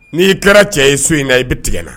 Ni i kɛra cɛ ye su in na i be tigɛ na